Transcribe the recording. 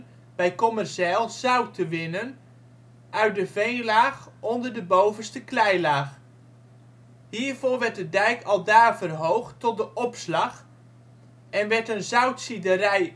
Kommerzijl zout te winnen uit de veenlaag onder de bovenste kleilaag. Hiervoor werd de dijk aldaar verhoogd tot ' De Opslag ' en werd een zoutziederij